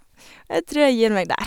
Jeg tror jeg gir meg der.